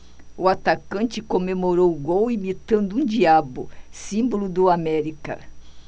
o atacante comemorou o gol imitando um diabo símbolo do américa